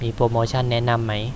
มีโปรโมชั่นแนะนำไหม